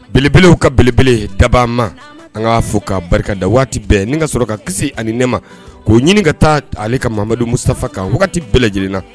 Belebelew ka belebele daba ma an'a fo ka barikada waati bɛɛ nin ka sɔrɔ ka kisi ani ne ma k'o ɲini ka taa ale ka mamadu mu dafa kan wagati bɛɛ lajɛlenna